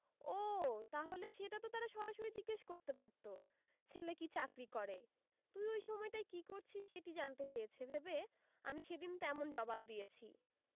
ও তাহলে সেটা তো তারা সরাসরি জিজ্ঞেস করতে পারত ছেলে কী চাকরি করে তুই ওই সময়টায় কী করছিস সেটি জানতে চেয়েছে ভেবে আমি সেদিন তেমন জবাব দিয়েছি